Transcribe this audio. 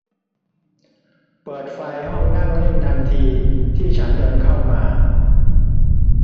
เปิดไฟในห้องนั่งเล่นทันทีที่ฉันเดินเข้ามา